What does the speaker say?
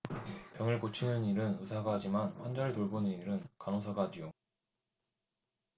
병을 고치는 일은 의사가 하지만 환자를 돌보는 일은 간호사가 하지요